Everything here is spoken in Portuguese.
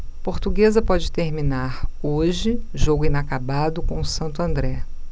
portuguesa pode terminar hoje jogo inacabado com o santo andré